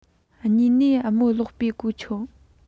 གཉིས ནས རྨོས སློག པར གོ ཆོད